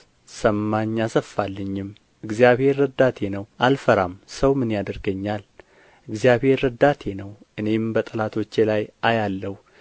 ሰማኝ አሰፋልኝም እግዚአብሔር ረዳቴ ነው አልፈራም ሰው ምን ያደርገኛል እግዚአብሔር ረዳቴ ነው እኔም በጠላቶቼ ላይ አያለሁ